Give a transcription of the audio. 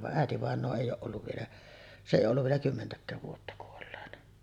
vaan äitivainaja ei ole ollut vielä se ei ollut vielä kymmentäkään vuotta kuolleena